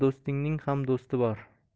do'stingning ham do'sti bor